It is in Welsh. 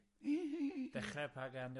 Dechre pa gân 'di onna...